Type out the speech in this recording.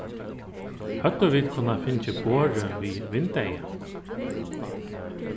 høvdu vit kunnað fingið borðið við vindeygað